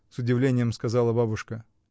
— с удивлением сказала бабушка.